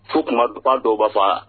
Fo kuma dɔw fa dɔw ba fɔ wa